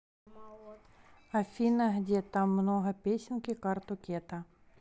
афина где там много песенки карту кета